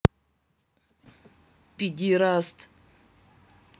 пидераст